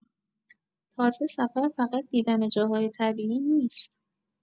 تازه سفر فقط دیدن جاهای طبیعی نیست.